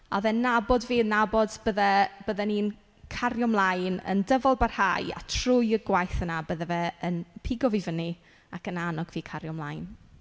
A oedd e'n nabod fi... yn nabod bydde- bydden i'n cario mlaen yn dyfalbarhau a trwy y gwaith yna bydde fe yn pigo fi fyny ac yn annog fi cario mlaen.